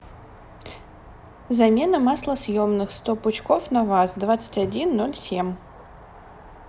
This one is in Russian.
замена маслосьемных сто пучков на ваз двадцать один ноль семь